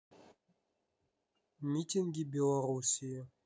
митинги белоруссии